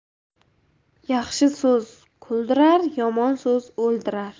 yaxshi so'z kuldirar yomon so'z o'ldirar